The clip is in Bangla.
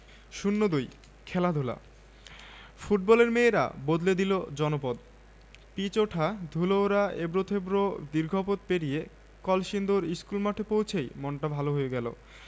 এ ময়মনসিংহ থেকেই উঠে আসা মাহমুদউল্লাহ মোসাদ্দেক হোসেনরা বাংলাদেশ ক্রিকেটে আলো ছড়াচ্ছেন নিয়মিত তবে খেলোয়াড়ি সাফল্যে একটা জনপদ বদলে দেওয়ায় মারিয়াদের ধারেকাছে কেউ কি আছেন